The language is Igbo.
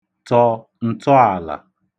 tọ̀ ǹtọàlà